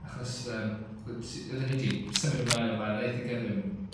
achos yym o' ti odden ni 'di symud ymlaen o fara yn eitha gyflym...